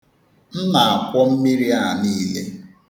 M na-akwọ mmiri a niile.